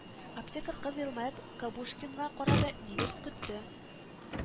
Аптекарь кыз, елмаеп, Кабушкинга карады, нидер көтте